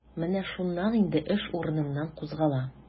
Менә шуннан инде эш урыныннан кузгала.